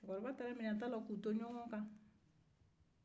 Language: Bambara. cɛkɔrɔba taara minɛnta la k'u to ɲɔgɔn kan